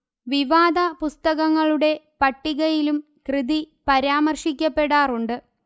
വിവാദ പുസ്തകങ്ങളുടെ പട്ടികയിലും കൃതി പരാമർശിക്കപ്പെടാറുണ്ട്